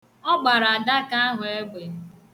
Ọ gbara adaka ahụ egbe.